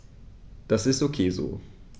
Das ist ok so.